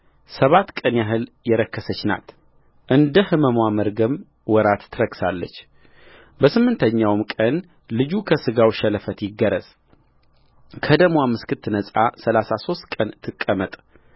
ሰባት ቀን ያህል የረከሰች ናት እንደ ሕመምዋ መርገም ወራት ትረክሳለችበስምንተኛውም ቀን ልጁ ከሥጋው ሸለፈት ይገረዝከደምዋም እስክትነጻ ሠላሳ ሦስት ቀን ትቀመጥ